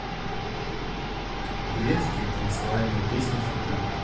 турецкие танцевальные песни хиты